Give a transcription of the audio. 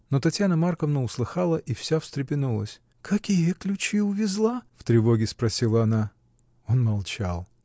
Но Татьяна Марковна услыхала и вся встрепенулась. — Какие ключи увезла? — в тревоге спросила она. Он молчал.